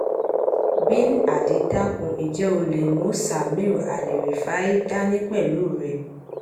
Bin Ali dákun ǹjẹ́ o lè mú samir alrifai dání pẹ̀lú rẹ?